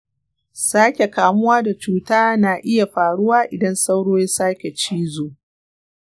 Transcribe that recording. sake kamuwa da cuta na iya faruwa idan sauro ya sake cizo.